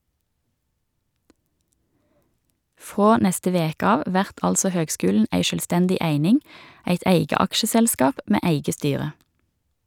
Frå neste veke av vert altså høgskulen ei sjølvstendig eining, eit eige aksjeselskap med eige styre.